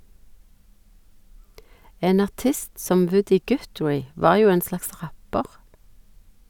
En artist som Woody Guthrie var jo en slags rapper.